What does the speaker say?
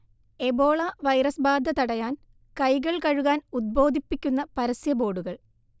Ebola virus ബാധ തടയാൻ കൈകൾ കഴുകാൻ ഉദ്ബോധിപ്പിക്കുന്ന പരസ്യ ബോർഡുകൾ